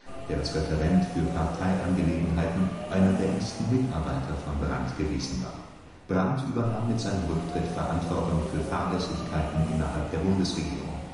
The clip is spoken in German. der als Referent für Parteiangelegenheiten einer der engsten Mitarbeiter von Brandt gewesen war. Brandt übernahm mit seinem Rücktritt Verantwortung für Fahrlässigkeiten innerhalb der Bundesregierung